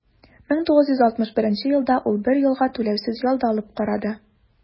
1961 елда ул бер елга түләүсез ял да алып карады.